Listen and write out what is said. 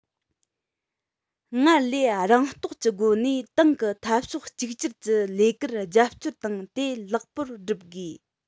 སྔར ལས རང རྟོགས ཀྱི སྒོ ནས ཏང གི འཐབ ཕྱོགས གཅིག གྱུར གྱི ལས ཀར རྒྱབ སྐྱོར དང དེ ལེགས པར བསྒྲུབ དགོས